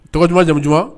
Tɔgɔ duman jamu duman?